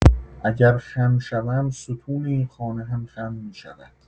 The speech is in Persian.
اگر خم شوم ستون این خانه هم خم می‌شود.